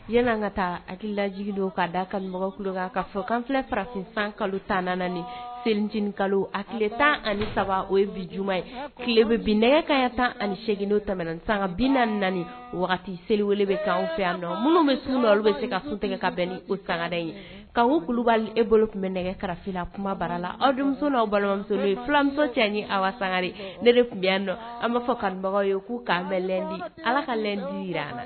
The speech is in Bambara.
Diɲɛ ka taa hakililaj ka da kanmɔgɔ kan ka fɔ kanfi farafin san kalo tan selicinin kalo a tan ani saba o ye biuma ye nɛgɛ kaya tan ani8gin ta san bi naani naani seliele bɛ kɛ fɛ yan minnu bɛ sun don olu bɛ se ka sun tigɛ ka bɛn ni o sanga ka kulubali e bolo tun bɛ nɛgɛ karala kuma bara la aw' balimamuso cɛgare ne de tun yan an b'a fɔ karibagaw ye'' ala ka lɛn jira an la